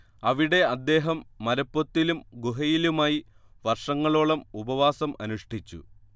അവിടെ അദ്ദേഹം മരപ്പൊത്തിലും ഗുഹയിലുമായി വർഷങ്ങളോളം ഉപവാസം അനുഷ്ഠിച്ചു